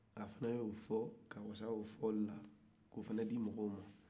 a fana y'o fɔ ka segɛn o fɔlila k'o fana di mɔgɔw ma